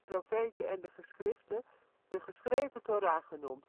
profeten en de geschriften de ' Geschreven Thora ' genoemd.